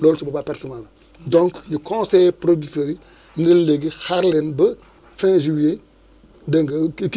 présentement nii mi ngi nekk Nigéria mais mi ngi évolué di ñëw am nañu yaakaar ni lu mu dee dee dee dee dee dee samedi dina egsi Sénégal